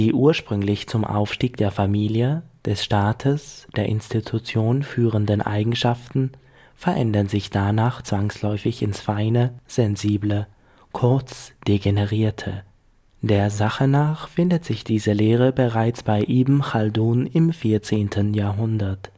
ursprünglich zum Aufstieg der Familie, des Staates, der Institution führenden Eigenschaften verändern sich danach zwangsläufig ins Feine, Sensible, kurz: Degenerierte. Der Sache nach findet sich diese Lehre bereits bei Ibn Chaldun im 14. Jahrhundert